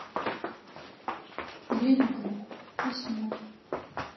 ирина круг письмо